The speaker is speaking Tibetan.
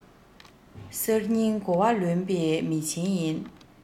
གསར རྙིང གོ བ ལོན པའི མི ཆེན ཡིན